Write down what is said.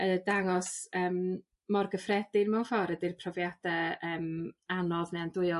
yy dangos yym mor gyffredin mewn ffor ydy'r profiade yym anodd ne' andwyol